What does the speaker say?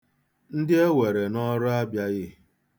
Ndị e were n'ọrụ abịaghị.